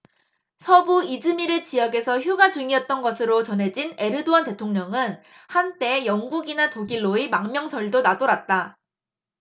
서부 이즈미르 지역에서 휴가 중이었던 것으로 전해진 에르도안 대통령은 한때 영국이나 독일로의 망명설도 나돌았다